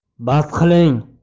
bas qiling